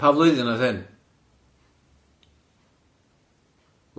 Pa flwyddyn oedd hyn?